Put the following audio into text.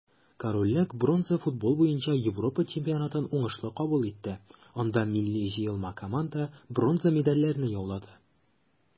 Корольлек бронза футбол буенча Европа чемпионатын уңышлы кабул итте, анда милли җыелма команда бронза медальләрне яулады.